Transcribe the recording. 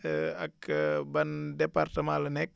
ak ban département la nekk